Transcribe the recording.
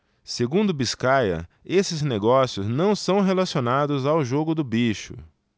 segundo biscaia esses negócios não são relacionados ao jogo do bicho